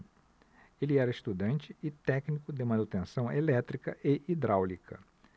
ele era estudante e técnico de manutenção elétrica e hidráulica